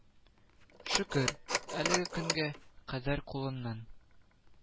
Шөкер, әлеге көнгә кадәр кулыннан